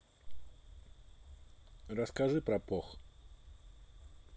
расскажи про пох